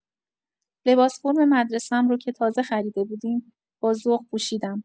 لباس فرم مدرسه‌م رو که تازه خریده بودیم با ذوق پوشیدم.